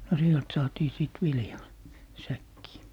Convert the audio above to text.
no sieltä saatiin sitten viljaa säkkiin